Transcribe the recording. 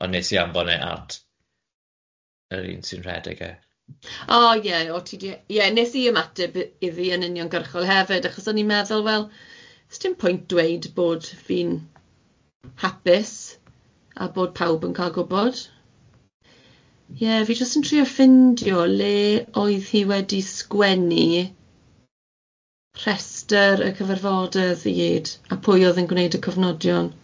Ond nes i anfon e at yr un sy'n rhedeg e. O ie o ti di- ie nes i ymateb iddi yn uniongyrchol hefyd achos o'n i'n meddwl wel s'dim pwynt dweud bod fi'n hapus a bod pawb yn ca'l gwbod. Ie fi jyst yn trial ffindio le oedd hi wedi sgwennu rhestyr y cyfarfodydd i gyd a pwy o'dd yn gwneud y cyfnodion.